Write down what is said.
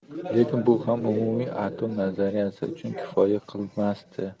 lekin bu ham umumiy atom nazariyasi uchun kifoya qilmasdi